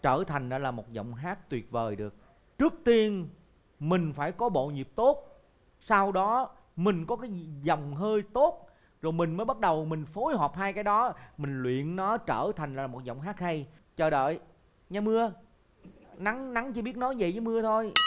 trở thành đó là một giọng hát tuyệt vời được trước tiên mình phải có bộ nhịp tốt sau đó mình có cái nhìn dòng hơi tốt rồi mình mới bắt đầu mình phối hợp hai cái đó mình luyện nó trở thành là một giọng hát hay chờ đợi như mưa nắng nắng chỉ biết nói dậy với mưa thôi